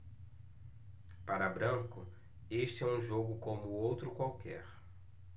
para branco este é um jogo como outro qualquer